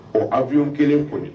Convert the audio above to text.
O anfiio kelen kɔni